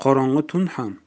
qorong'i tun ham